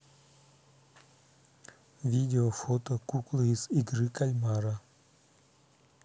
видео фото куклы из игры кальмара